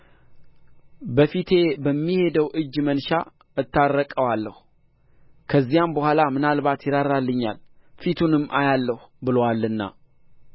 በፊቴ በሚሄደው እጅ መንሻ እታረቀዋለሁ ከዚያም በኋላ ምናልባት ይራራልኛል ፊቱንም አያለሁ ብሎአልና